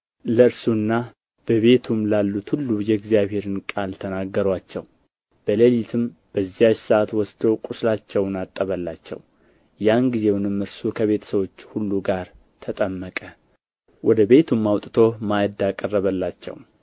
ለእርሱና በቤቱም ላሉት ሁሉ የእግዚአብሔርን ቃል ተናገሩአቸው በሌሊትም በዚያች ሰዓት ወስዶ ቍስላቸውን አጠበላቸው ያን ጊዜውንም እርሱ ከቤተ ሰዎቹ ሁሉ ጋር ተጠመቀ ወደ ቤቱም አውጥቶ ማዕድ አቀረበላቸው